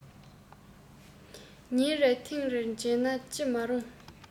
ཉིན རེར ཐེངས རེ མཇལ ན ཅི མ རུང